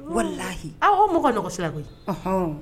Walahi aw o mɔgɔ nɔgɔɔgɔ sira koyi